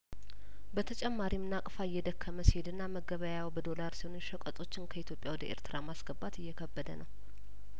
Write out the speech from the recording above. በተጨማሪም ናቅፋ እየደከመ ሲሄድና መገበያያው በዶላር ሲሆን ሸቀጦችን ከኢትዮጵያ ወደ ኤርትራ ማስገባት እየከበደ ነው